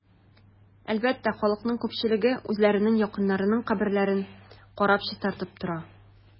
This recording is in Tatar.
Әлбәттә, халыкның күпчелеге үзләренең якыннарының каберлекләрен карап, чистартып тора.